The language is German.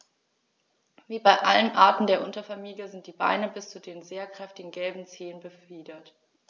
Wie bei allen Arten der Unterfamilie sind die Beine bis zu den sehr kräftigen gelben Zehen befiedert.